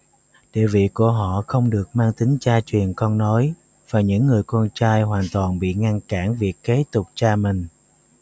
địa vị của họ không được mang tính cha truyền con nối và những người con trai hoàn toàn bị ngăn cản việc kế tục cha mình